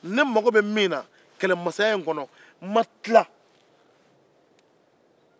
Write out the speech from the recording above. ne mago bɛ min na kɛlɛmasaya in kɔnɔ ma ban